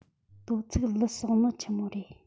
དོ ཚིགས ལུད གསོགས ནོ ཆི མོ རེད